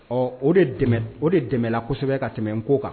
Ɔ o de dɛmɛ o de dɛmɛla kosɛbɛ ka tɛmɛ Nko kan